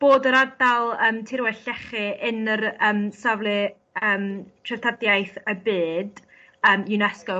bod yr ardal ymm tirwedd llechi yn yr yym safle yym treftadiaeth y byd yym iw nes co